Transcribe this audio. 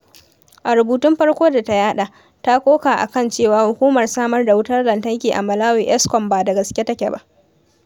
A rubutun farko da ta yaɗa, ta koka a kan cewa hukumar samar da wutar lanatarki a Malawi ESCOM ba da gaske take ba.